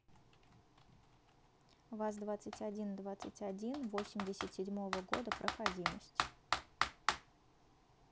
ваз двадцать один двадцать один восемьдесят седьмого года проходимость